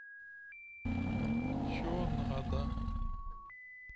че надо